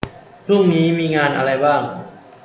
พรุ่งนี้มีงานอะไรบ้าง